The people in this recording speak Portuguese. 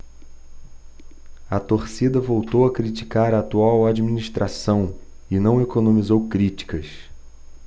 a torcida voltou a criticar a atual administração e não economizou críticas